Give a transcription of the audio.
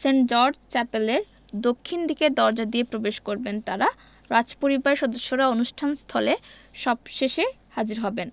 Saint George চ্যাপেলের দক্ষিণ দিকের দরজা দিয়ে প্রবেশ করবেন তাঁরা রাজপরিবারের সদস্যরা অনুষ্ঠান স্থলে সবশেষে হাজির হবেন